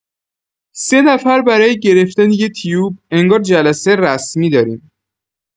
سه نفر برای گرفتن یه تیوب، انگار جلسه رسمی داریم.